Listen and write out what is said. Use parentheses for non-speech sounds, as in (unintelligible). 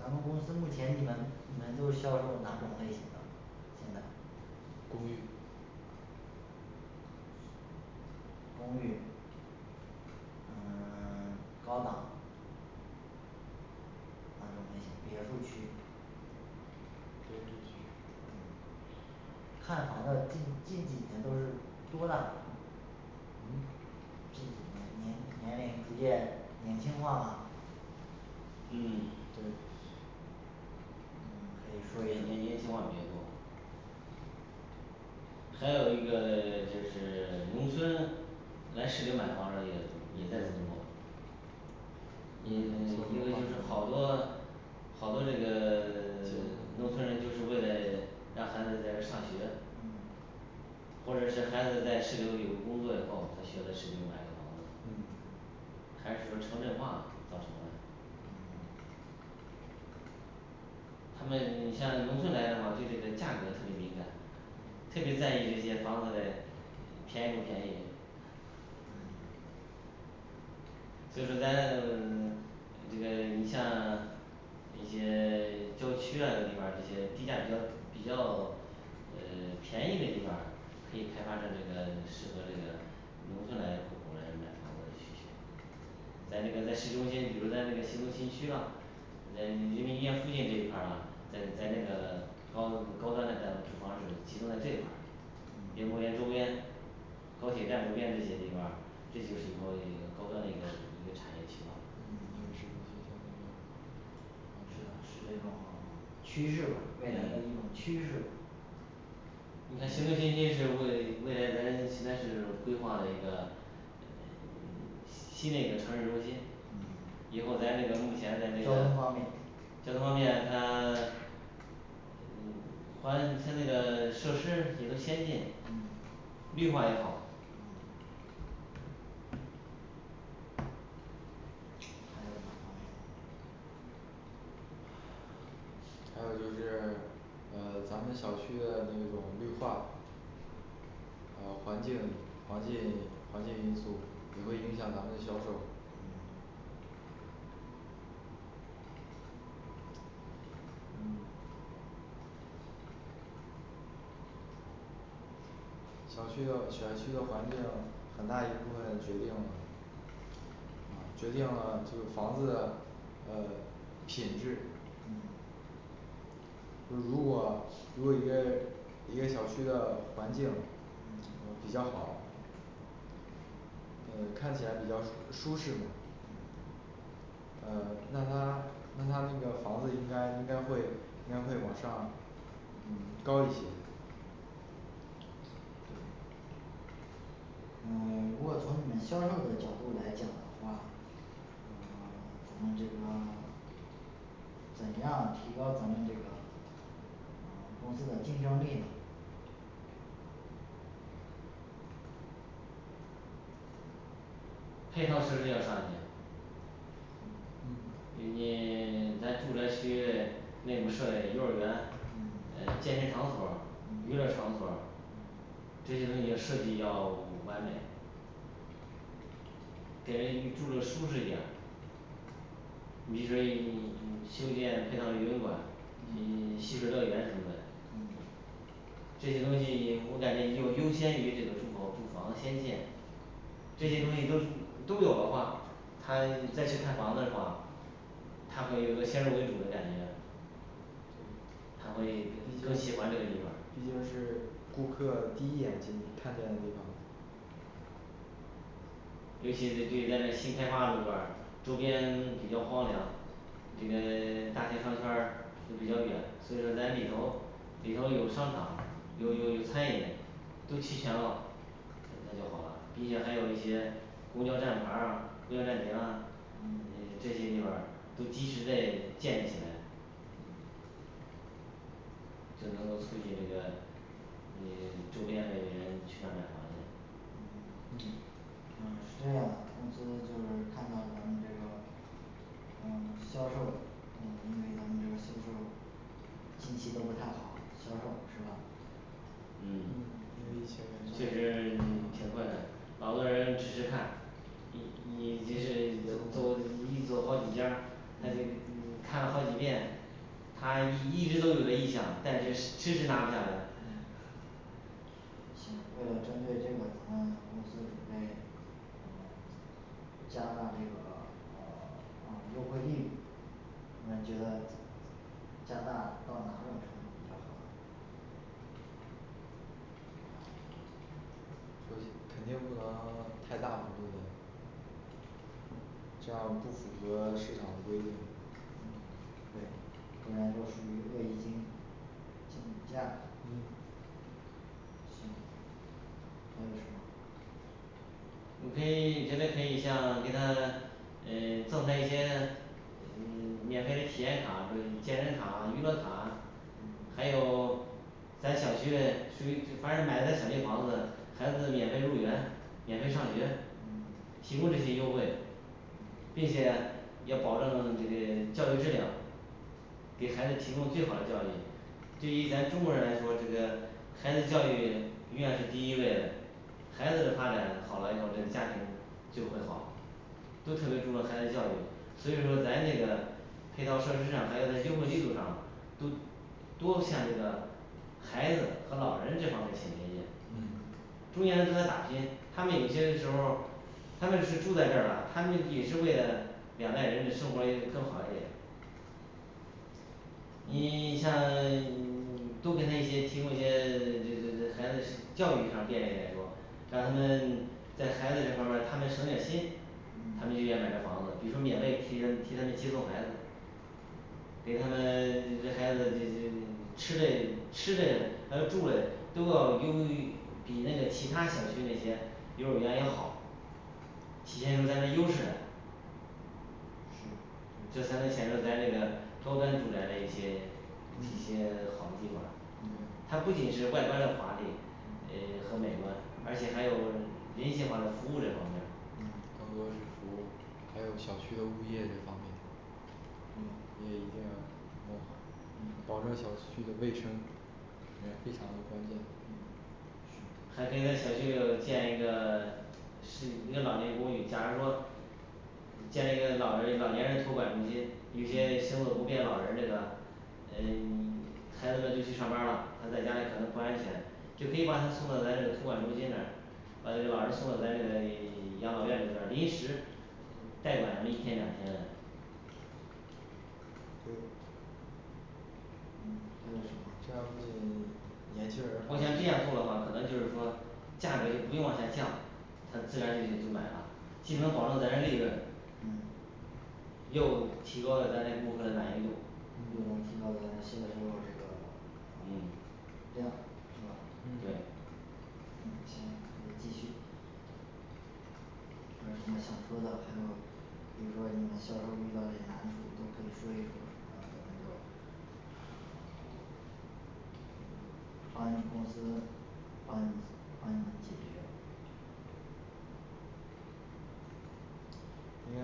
咱们公司目前你们你们都销售哪种类型的？现在公寓公寓。嗯 (silence) 高档哪种类型别墅区别墅区嗯看房的近近几年都是多大嘞嗯近几年年年龄逐渐年轻化吗嗯对嗯可以年说一说年轻化比较多还有一个 (silence) 就是农村来市里买房人也也在增多，也一个就是好多好多这个 (silence) 农村人就是为了让孩子在这儿上学嗯或者是孩子在市里头有工作以后，他需要在市里头买套房子嗯还是说城镇化造成嘞嗯 (silence) 他们你像农村来的话对这个价格特别敏感，特别在意这些房子嘞便宜不便宜？所以说咱 (silence) 就是这个你像 (silence) 一些 (silence) 郊区啊这个地方儿这些地价比较比较呃 (silence) 便宜嘞地方儿可以开发的这个适合这个农村来的户主来买房子的需求。再那个在市中心，比如在邢州新区啊诶人民医院附近这一块儿呢，咱这个高高端的住房是集中在这一块儿园嗯博园周边高铁站周边这些地方儿，这就是以后一个高端嘞一个一个产业区吧嗯是的是这种趋势吧未来的一种趋势吧你看邢洲新区是未未来咱邢台市规划嘞一个新嘞一个城镇中心嗯以后咱这个目前在这交个通方面交通方面它 (silence) 嗯环它那个设施也都先进嗯绿化也好嗯还有哪方面呢还有就是呃咱们小区的那种绿化呃环境环境因 (unintelligible) 环境因素也会影响咱们的销售。嗯嗯。小区的小区的环境很大一部分决定了嗯决定了就是房子呃品质嗯如如果如果一个一个小区的环境嗯呃比较好嗯看起来比较舒舒适嘛嗯呃那他那他那个房子应该应该会应该会往上嗯高一些嗯 (silence) 如果从你们销售的角度来讲的话，嗯 (silence) 咱们这个 (silence) 怎样提高咱们这个嗯公司的竞争力呢配套设施要上去。嗯嗯你 (silence) 咱住宅区嘞 (silence) 内部设立幼儿园嗯呃健身场所儿、娱乐嗯场所儿这些东西要设计要完美给人一住着舒适一点儿。比如说你你修建配套游泳馆，嗯 (silence) 戏水乐园什么嘞这些东西我感觉又优先于这个住房租房先见这些东西都都有的话，他再去看房子的话，他会有一个先入为主的感觉，他会更更喜欢这个地方儿毕竟是顾客第一眼进看见的地方儿，尤其是对咱那新开发路段儿周边比较荒凉，那个 (silence) 大型商圈儿就比较远，所以说咱里头里头有商场，有有有餐饮，都齐全了那就好啦并且还有一些公交站牌儿啊，公交站亭儿嗯这些地方儿都及时的建立起来，就能够促进这个这周边的这个人去那儿买房子。嗯嗯是这样公司就是看到咱们这个嗯销售，嗯因为咱们这个销售近期都不太好销售是吧？嗯嗯，这确个确实实挺困难的，好多人只是看你 (silence) 你你这这是走一走好几家儿，他就你看了好几遍他一一直都有这意向，但是嗯迟迟拿不下来嗯行为了针对这种咱们公司准备加大这个呃啊优惠力度你们觉得加大到哪种程度比较好所以肯定不能太大幅度的这样不符合市场的规定。嗯对不然都属于恶意竞竞价儿了嗯行，还有什么我可以觉得可以像给他呃赠他一些嗯免费嘞体验卡、不是健身卡、娱乐卡，还嗯有咱小区嘞属于反正买咱小区房子的孩子免费入园，免费上学嗯提供这些优惠并且要保证这个教学质量，给孩子提供最好的教育。对于咱中国人来说，这个孩子教育永远是第一位嘞孩子的发展好了以后就是家庭就会好，都特别注重孩子教育，所以说咱这个 (silence) 配套设施上还要在优惠力度上都 (unintelligible) 多向这个孩子和老人这方面取经验嗯中年人都在打拼，他们有些时候他们是住在这儿他们也是为了两代人的生活也更好一点。你 (silence) 你像嗯 (silence) 多给他一些提供一些这这个孩子教育上便利来说，让他们在孩子这方面儿他们省点心，他们就愿买个房子，比如说免费替他们替他们接送孩子，给他们 (silence) 这这 (silence) 孩子就吃嘞吃嘞还有住嘞都要优于比那个其他小区那些幼儿园要好，体现出咱的优势来这才嗯能显出咱这个高端住宅嘞一些一些好的地方儿嗯它不仅是外观的华丽呃和美观，而且还有人性化的服务这方面儿嗯更多的是服务，还有小区的物业这方面，也一定要弄，保证小区的卫生肯定非常的关键还嗯是可以在小区里头建一个 (silence) 是一个老年公寓，假如说建立一个老年老年人托管中心，有些行动不便，老人那个诶孩子们都去上班儿啦，他在家里可能不安全，就可以把他送到咱这个托管中心来，把这个老人送到咱这个 (silence) 养老院里边儿临时待那么一天两天嘞。嗯还有什这么样子年轻人我想这儿样做的话可能就是说价格儿就不用往下降他自然就就买啦，既能保证咱嘞利润嗯又提高了咱对顾客的满意度又能提高咱的销售这个嗯 (silence) 量是吧？嗯对行，可以继续还有什么想说的，还有比如说你们销售遇到嘞难处都可以说一说然后咱就。帮你公司帮你帮你们解决因为